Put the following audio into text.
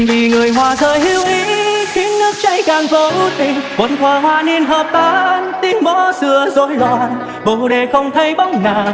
vì người hoa rơi hữu ý khiến nước chảy càng vô tình một thuở hoa niên hợp tan tiếng mõ xưa rối loạn bồ đề không thấy bóng nàng